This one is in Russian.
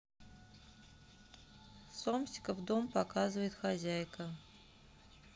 сомсиков дом показывает хозяйка